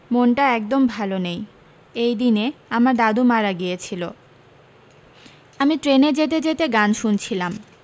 মনটা একদম ভালো নেই এই দিনে আমার দাদু মারা গিয়েছিলো আমি ট্রেনে যেতে যেতে গান শুনছিলাম